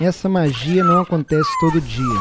essa magia não acontece todo dia